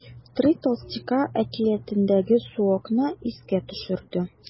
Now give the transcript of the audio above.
“три толстяка” әкиятендәге суокны искә төшерде.